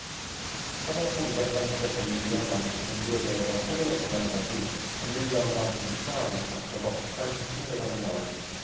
서석구 이적단체 범민련 남측 본부에 대해서 통일의 그날까지 범민련과 함께 투쟁하겠다 그거 북한식 통일하자는 것 아닙니까